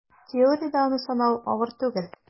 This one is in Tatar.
Теориядә аны санау авыр түгел: